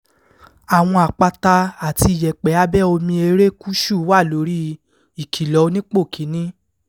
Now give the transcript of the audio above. Àwọn àpáta àti iyẹ̀pẹ̀ abẹ́ omi erékùṣú wà lóri "Ìkìlọ̀ onípò kiní"